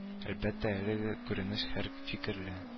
Әлбәттә әлеге күренеш хөр фикерле